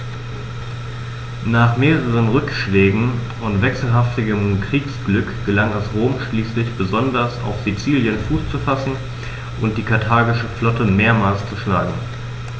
Nach mehreren Rückschlägen und wechselhaftem Kriegsglück gelang es Rom schließlich, besonders auf Sizilien Fuß zu fassen und die karthagische Flotte mehrmals zu schlagen.